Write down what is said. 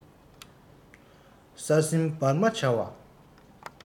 ས སྲིན འབར མ བྱ བ